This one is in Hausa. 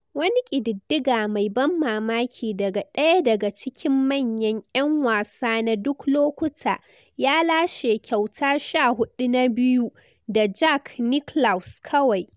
Wani kididdiga mai ban mamaki daga daya daga cikin manyan 'yan wasa na duk lokuta, ya lashe kyauta 14 na biyu da Jack Nicklaus kawai.